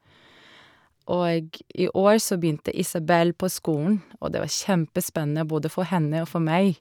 Og i år så begynte Isabell på skolen, og det var kjempespennende, både for henne og for meg.